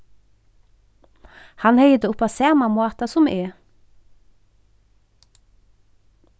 hann hevði tað upp á sama máta sum eg